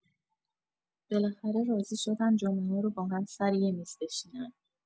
بالاخره راضی شدن جمعه‌ها رو با هم‌سر یه میز بشینن.